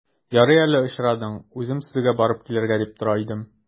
Ярый әле очрадың, үзем сезгә барып килергә дип тора идем.